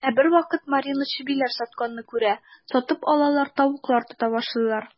Ә бервакыт Марина чебиләр сатканны күрә, сатып алалар, тавыклар тота башлыйлар.